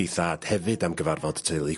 ...ei thad hefyd am gyfarfod teulu...